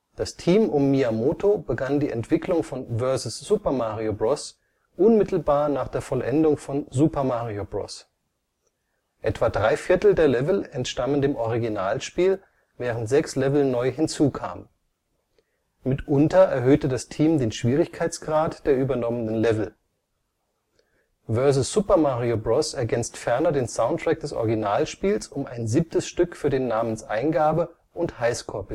Das Team um Miyamoto begann die Entwicklung von Vs. Super Mario Bros. unmittelbar nach der Vollendung von Super Mario Bros. Etwa drei Viertel der Level entstammen dem Originalspiel, während sechs Level neu hinzukamen. Mitunter erhöhte das Team den Schwierigkeitsgrad der übernommenen Level. Vs. Super Mario Bros. ergänzt ferner den Soundtrack des Originalspiels um ein siebtes Stück für den Namenseingabe - und Highscore-Bildschirm